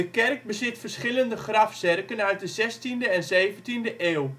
kerk bezit verschillende grafzerken uit de zestiende en zeventiende eeuw